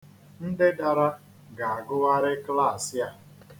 Ndị dara ga-agụgharị klaasi a.